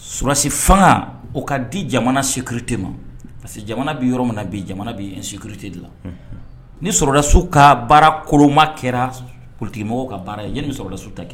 Soldat fanga o ka di jamana sécurité ma, unhun parce que jamana bɛ yɔrɔ min na bi, jamana bɛ insécurité de la, unhun, ni soldat ka baara koloma kɛra politique mɔgɔw ka baara ye jɔn bɛ soldat ta kɛ?